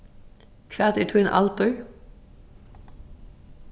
hvat er tín aldur